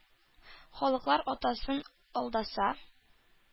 “халыклар атасы”н алдаса